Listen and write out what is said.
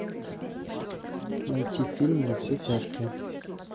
найди фильм во все тяжкие